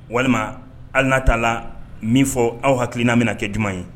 Walima hali n'a t'a la min fɔ aw hakiliinaa bɛna kɛ ɲuman ye